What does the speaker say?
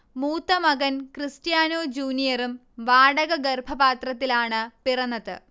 മൂത്ത മകൻ ക്രിസ്റ്റ്യാനൊ ജൂനിയറും വാടക ഗർഭപാത്രത്തിലാണ് പിറന്നത്